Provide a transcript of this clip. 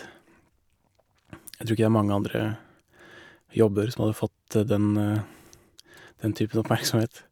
Jeg trur ikke det er mange andre jobber som hadde fått den den typen oppmerksomhet.